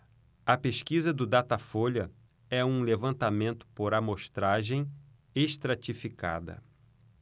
a pesquisa do datafolha é um levantamento por amostragem estratificada